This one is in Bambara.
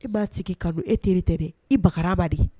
E b'a sigi ka don e terire tɛ dɛ i baraba de